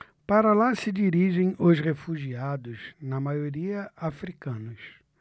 para lá se dirigem os refugiados na maioria hútus